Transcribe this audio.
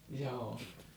jaa